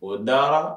O dara